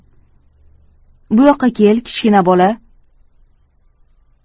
bu yoqqa kel kichkina bola